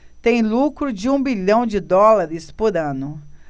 tem lucro de um bilhão de dólares por ano